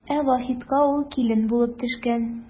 Ә Вахитка ул килен булып төшкән.